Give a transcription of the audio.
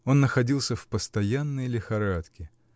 Он находился в постоянной лихорадке.